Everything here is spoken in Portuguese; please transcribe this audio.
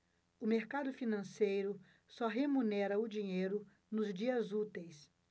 o mercado financeiro só remunera o dinheiro nos dias úteis